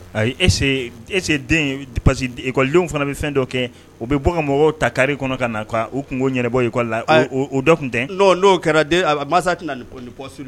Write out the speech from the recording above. Ayi est-ce que den parce que fana bɛ fɛn dɔ kɛ, u bɛ bɔ ka mɔgɔw ta carré kɔnɔ, ka n'u kungo ɲɛnabɔ, école la, o dɔ tun tɛ? N'o kɛra masa